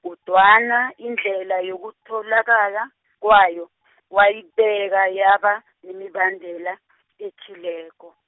kodwana indlela yokutholakala, kwayo , wayibeka yaba, nemibandela , ethileko.